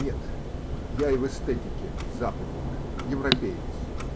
Нет, я и в эстетике западник, европеец.